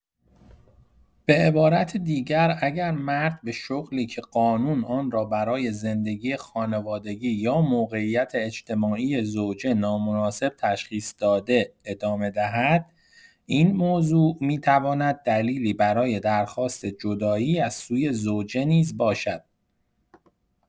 به‌عبارت دیگر، اگر مرد به شغلی که قانون آن را برای زندگی خانوادگی و یا موقعیت اجتماعی زوجه نامناسب تشخیص داده، ادامه دهد، این موضوع می‌تواند دلیلی برای درخواست جدایی از سوی زوجه نیز باشد.